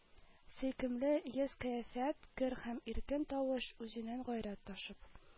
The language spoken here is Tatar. Сөйкемле йөз-кыяфәт, көр һәм иркен тавыш, үзеннән гайрәт ташып,